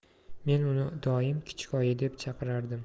men uni doim kichik oyi deb chaqirardim